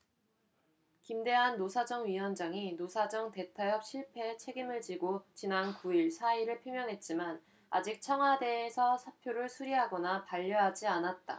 김대환 노사정위원장이 노사정 대타협 실패에 책임을 지고 지난 구 일 사의를 표명했지만 아직 청와대에서 사표를 수리하거나 반려하지 않았다